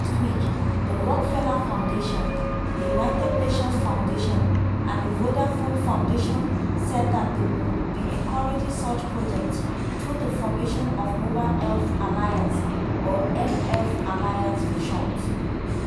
Last week the Rockefeller Foundation, the United Nations Foundation, and the Vodafone Foundation said that they will be encouraging such projects through the formation of the Mobile Health Alliance (or mHealth Alliance for short).